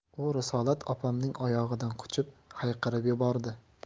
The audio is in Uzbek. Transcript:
u risolat opamning oyog'idan quchib hayqirib yubordi